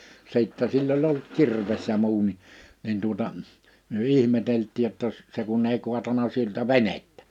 sitten sillä oli ollut kirves ja muu niin niin tuota me ihmeteltiin jotta jos se kun ei kaatanut siltä venettä